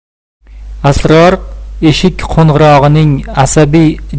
asror eshik qo'ng'irog'ining asabiy